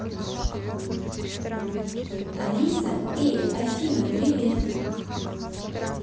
алиса эй афина привет